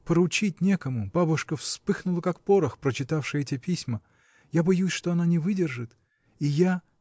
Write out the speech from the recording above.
Поручить некому: бабушка вспыхнула как порох, прочитавши эти письма. Я боюсь, что она не выдержит. и я.